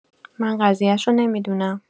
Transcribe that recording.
من قضیشو نمی‌دونم